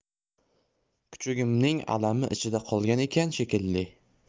kuchugimning alami ichida qolgan ekan shekilli